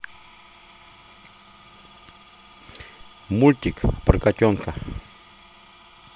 мультик про котенка